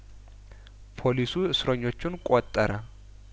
ፖሊሱ እስረኞቹን ቆጠረ